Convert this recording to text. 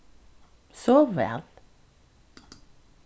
sov væl